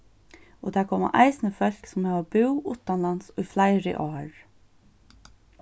og tað koma eisini fólk sum hava búð uttanlands í fleiri ár